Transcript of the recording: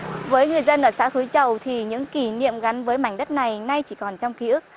với người dân ở xã suối trầu thì những kỷ niệm gắn với mảnh đất này nay chỉ còn trong ký ức